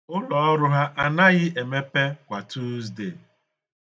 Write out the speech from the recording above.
Ụlọọrụ ha anaghị emepe kwa Tuuzde.